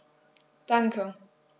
Danke.